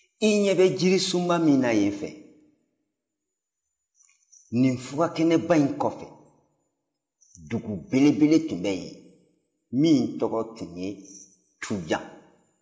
i ɲɛ bɛ jirisunba min na yen fɛ nin fugakɛnɛba in kɔfɛ dugu belebele tun bɛ yen min tɔgɔ tun ye tujan